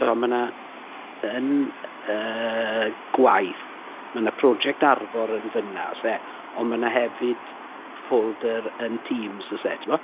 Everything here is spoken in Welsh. O 'ma 'na yn yy gwaith, ma' 'na project Arfor yn fanna oes e? Ond ma' 'na hefyd ffolder yn Teams oes e timod.